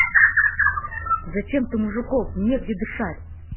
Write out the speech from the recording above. зачем ты мужиков негде дышать